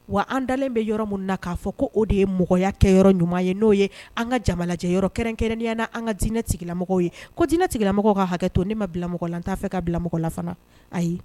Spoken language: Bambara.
Wa an dalen bɛ yɔrɔ min na k'a fɔ ko o de ye mɔgɔya kɛyɔrɔ ɲuman ye n'o ye an ka jamanajɛ yɔrɔ kɛrɛnya na an ka diinɛ tigilamɔgɔ ye ko dinɛinɛ tigilamɔgɔ ka hakɛ to ne ma bila mɔgɔ la n t'a fɛ ka bilamɔgɔ la fana, ayi.